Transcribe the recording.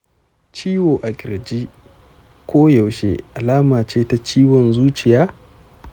ciwo a kirji koyaushe alama ce ta ciwon zuciya?